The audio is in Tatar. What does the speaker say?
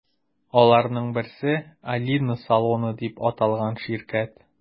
Аларның берсе – “Алина салоны” дип аталган ширкәт.